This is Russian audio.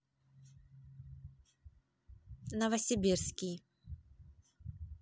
новосибирский